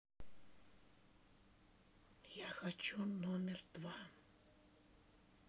я хочу номер два